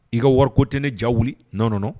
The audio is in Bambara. I ka wari ko tɛ ne ja wuli n nɔɔnɔ